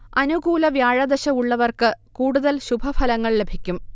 അനുകൂല വ്യാഴദശ ഉള്ളവർക്ക് കൂടുതൽ ശുഭഫലങ്ങൾ ലഭിക്കും